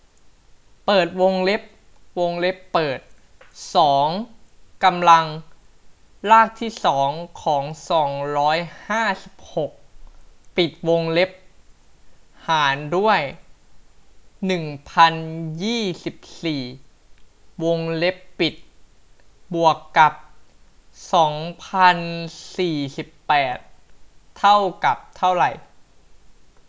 เปิดวงเล็บวงเล็บเปิดสองกำลังรากที่สองของสองร้อยห้าสิบหกปิดวงเล็บหารด้วยหนึ่งพันยี่สิบสี่วงเล็บปิดบวกกับสองพันสี่สิบแปดเท่ากับเท่าไหร่